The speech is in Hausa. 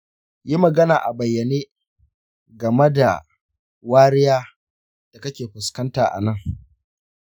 yi magana a bayyane game da wariya da kake fuskanta a nan.